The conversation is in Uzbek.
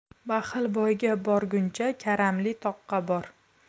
baxil boyga borguncha karamli toqqa bor